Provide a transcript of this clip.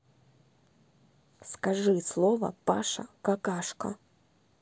скажи слово паша какашка